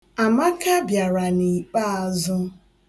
Amaka bịara n'ikpeazụ.